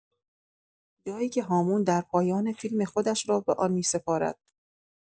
جایی که‌هامون در پایان فیلم خودش را به آن می‌سپارد.